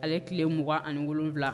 Ale tile 27